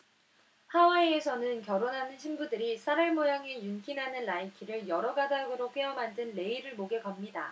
하와이에서는 결혼하는 신부들이 쌀알 모양의 윤기 나는 라이키를 여러 가닥으로 꿰어 만든 레이를 목에 겁니다